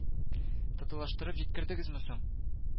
Татулаштырып җиткердегезме соң